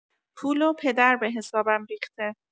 پول و پدر به حسابم ریخته